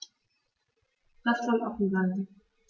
Das soll offen bleiben.